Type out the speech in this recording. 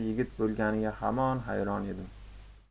yigit bo'lganiga hamon hayron edim